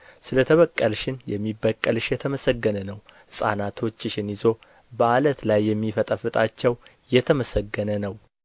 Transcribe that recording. ስለ ተበቀልሽን የሚበቀልሽ የተመሰገነ ነው ሕፃናቶችሽን ይዞ በዓለት ላይ የሚፈጠፍጣቸው የተመሰገነ ነው